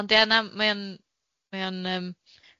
Ond ia na mae o'n mae o'n yym,